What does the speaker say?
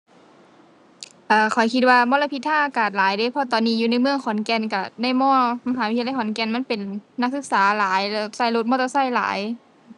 เอ่อ ข้อยคิดว่ามลพิษทางอากาศหลายเดะ เพราะตอนนี้อยู่ในเมืองขอนแก่นก็ในมอ มหาวิทยาลัยขอนแก่นมันเป็น นักศึกษาหลายแล้วก็รถมอเตอร์ไซค์หลาย